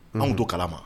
N' anw don kala ma